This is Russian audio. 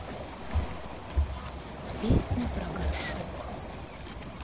песня про горшок